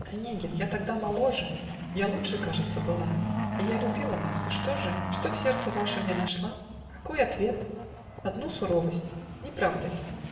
Онегин, я тогда моложе, Я лучше, кажется, была, И я любила вас; и что же? Что в сердце вашем я нашла? Какой ответ? одну суровость. Не правда ль?